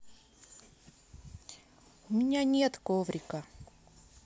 у меня нет коврика